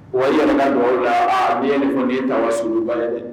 Wa yɛlɛ dɔgɔ la den kɔni ta wasoba ye dɛ